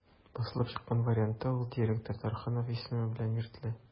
Басылып чыккан вариантта ул «директор Тарханов» исеме белән йөртелә.